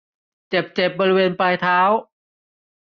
เจ็บเจ็บบริเวณปลายเท้า